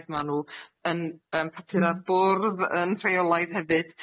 Ma' nw yn yym papuro'r bwrdd yn rheolaidd hefyd.